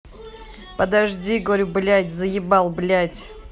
подожди говорю блядь заебал блядь